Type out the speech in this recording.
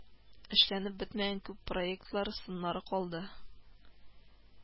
Эшләнеп бетмәгән күп проектлары, сыннары калды